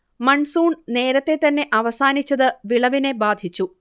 monsoon നേരത്തേതന്നെ അവസാനിച്ചത് വിളവിനെ ബാധിച്ചു